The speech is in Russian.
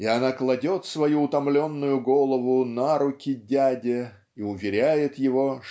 И она кладет свою утомленную голову на руки дяде и уверяет его